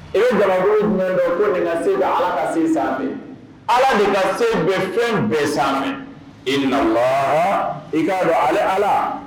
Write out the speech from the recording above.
E gakun jumɛn bɛ ko de ka se ala ka sen sanfɛ ala de ka se bɛ fɛn bɛ sanfɛ i na i ka don ale ala